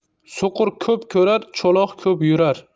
so'qir ko'p ko'rar cho'loq ko'p yurar